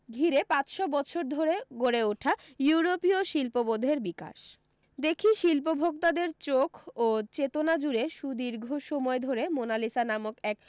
ঘিরে পাঁচশো বছর ধরে গড়ে ওঠা ইউরোপীয় শিল্পবোধের বিকাশ দেখি শিল্পভোক্তাদের চোখ ও চেতনা জুড়ে সুদীর্ঘ সময় ধরে মোনালিসা নামক এক